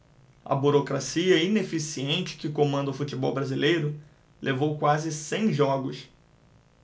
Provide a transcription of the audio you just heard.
a burocracia ineficiente que comanda o futebol brasileiro levou quase cem jogos